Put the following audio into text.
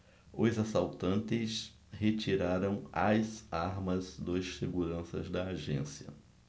os assaltantes retiraram as armas dos seguranças da agência